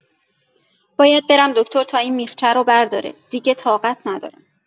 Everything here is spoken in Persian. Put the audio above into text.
باید برم دکتر تا این میخچه رو برداره، دیگه طاقت ندارم!